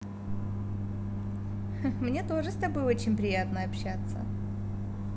мне тоже с тобой очень приятно общаться